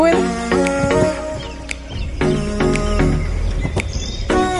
Hwyl!